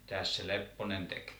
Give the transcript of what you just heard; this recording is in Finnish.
mitäs se Lepponen teki